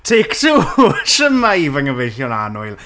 Take two! Shwmae fy nghyfeillion annwyl?